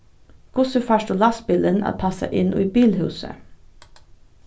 hvussu fært tú lastbilin at passa inn í bilhúsið